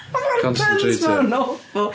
Mae'r puns ma'n awful.